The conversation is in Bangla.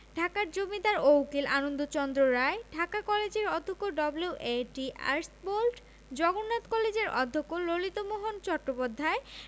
ঢাকার জমিদার ও উকিল আনন্দচন্দ্র রায় ঢাকা কলেজের অধ্যক্ষ ডব্লিউ.এ.টি আর্চবোল্ড জগন্নাথ কলেজের অধ্যক্ষ ললিতমোহন চট্টোপাধ্যায়